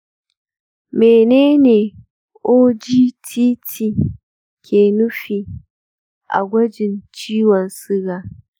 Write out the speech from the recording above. mene ne ogtt ke nufi a gwajin ciwon suga?